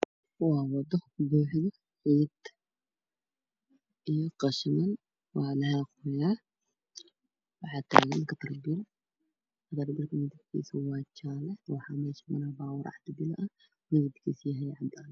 Waa waddo la fadhiyaan waa la xaqaya cagaf cagaf jaalle ayaa joogto dadna way joogaan gadaalna waa suuq tukaamo ayaa ku yaalla